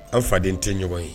Aw faden tɛ ɲɔgɔn ye